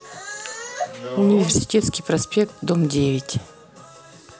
университетский проспект дом девять